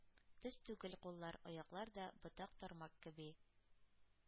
Төз түгел куллар, аяклар да — ботак-тармак кеби.